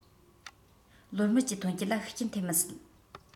ལོ སྨད ཀྱི ཐོན སྐྱེད ལ ཤུགས རྐྱེན ཐེབས མི སྲིད